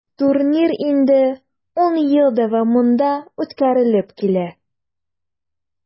Турнир инде 10 ел дәвамында үткәрелеп килә.